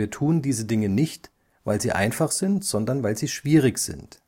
tun diese Dinge nicht, weil sie einfach sind, sondern weil sie schwierig sind